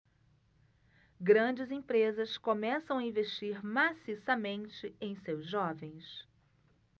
grandes empresas começam a investir maciçamente em seus jovens